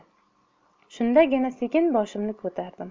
shundagina sekin boshimni ko'tardim